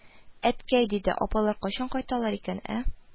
– әткәй, – диде, – апалар кайчан кайталар икән, ә